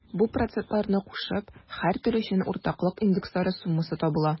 Бу процентларны кушып, һәр тел өчен уртаклык индекслары суммасы табыла.